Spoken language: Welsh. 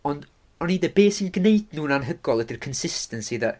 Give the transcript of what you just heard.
Ond o'n i'n deud, be sy'n gneud nhw'n anhygoel ydi'r consistency de.